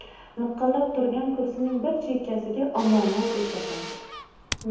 liqillab turgan kursining bir chekkasiga omonat o'tirdim